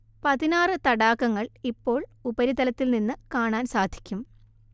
പതിനാറ് തടാകങ്ങൾ ഇപ്പോൾ ഉപരിതലത്തിൽ നിന്ന് കാണാൻ സാധിക്കും